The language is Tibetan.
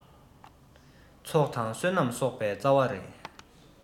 ཚོགས དང བསོད ནམས གསོག པའི རྩ བ རེད